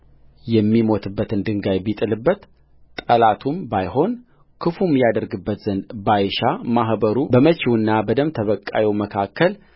የሚሞትበትን ድንጋይ ቢጥልበት ጠላቱም ባይሆን ክፉም ያደርግበት ዘንድ ባይሻማኅበሩ በመቺውና በደም ተባቃዩ መካከል